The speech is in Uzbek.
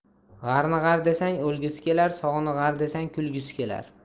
g'arni g'ar desang o'lgisi kelar sog'ni g'ar desang kulgisi kelar